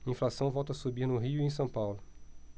inflação volta a subir no rio e em são paulo